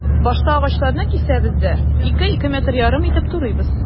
Башта агачларны кисәбез дә, 2-2,5 метр итеп турыйбыз.